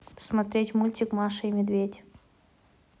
смотреть мультик маша и медведь